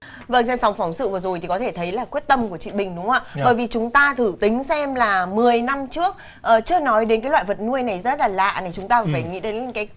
vâng trong sóng phóng sự vừa rồi thì có thể thấy là quyết tâm của chị bình đúng không ạ bởi vì chúng ta thử tính xem là mười năm trước ờ chưa nói đến cái loại vật nuôi này rất là lạ này chúng ta phải nghĩ đến cái